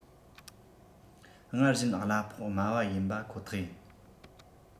སྔར བཞིན གླ ཕོགས དམའ བ ཡིན པ ཁོ ཐག ཡིན